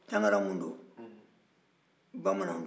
tangara minnu don bamananw don